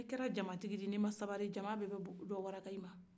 n'i kɛra jamatigi ye n'i ma sabari ja bɛ waraka i ma